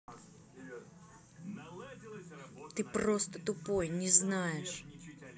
ты просто тупой не знаешь